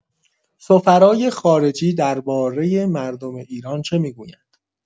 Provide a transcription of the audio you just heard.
سفرای خارجی درباره مردم ایران چه می‌گویند؟